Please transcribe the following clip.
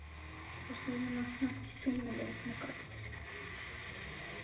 Ռուսների մասնակցությունն էլ է նկատվել.